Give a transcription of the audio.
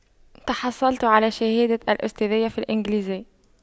تحصلت على شهادة الأستاذية في الإنجليزية